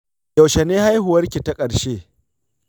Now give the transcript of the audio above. yaushe ne haihuwarki ta ƙarshe?